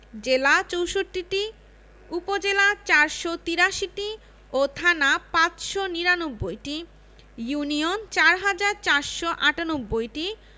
জেলা ৬৪টি উপজেলা ৪৮৩টি ও থানা ৫৯৯টি ইউনিয়ন ৪হাজার ৪৯৮টি